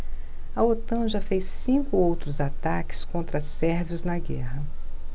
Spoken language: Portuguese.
a otan já fez cinco outros ataques contra sérvios na guerra